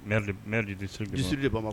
Li desiri de bama